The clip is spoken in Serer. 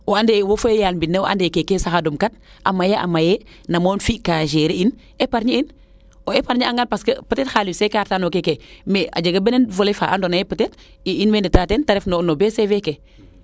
o ande wo fee yaal mbine o ande keeke saxadum kat a maya a maye namo im fi kaa gérer in epargne in o apargner an parce que xalis fee ka reta no keeke mais a jega beneen volet fa ando naye peut etre in way ndeta teen te ref no BCV ke